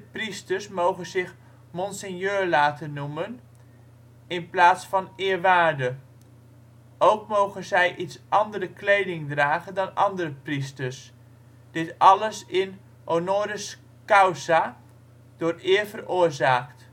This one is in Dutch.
priesters mogen zich " monseigneur " laten noemen, in plaats van " eerwaarde ". Ook mogen zij iets andere kleding dragen dan andere priesters. Dit alles is honoris causa (door eer veroorzaakt